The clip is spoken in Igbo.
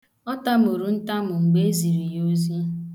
Ọ tamuru ntamu mgbe eziri ya ozi.